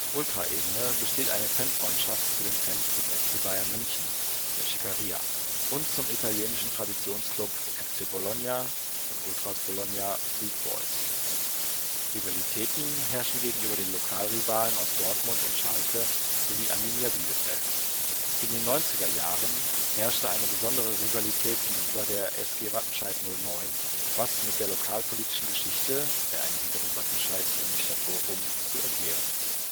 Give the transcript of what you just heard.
Ultraebene besteht eine Fanfreundschaft zu den Fans des FC Bayern München (Schickeria) und zum italienischen Traditionsclub FC Bologna (Ultras Bologna, Freak Boys). Rivalitäten herrschen gegenüber den Lokalrivalen aus Dortmund und Schalke, sowie Arminia Bielefeld. In den 90er Jahren herrschte eine besondere Rivalität gegenüber der SG Wattenscheid 09, was mit der lokalpolitischen Geschichte – der Eingliederung Wattenscheids in die Stadt Bochum – zu erklären ist